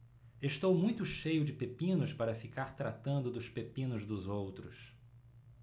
estou muito cheio de pepinos para ficar tratando dos pepinos dos outros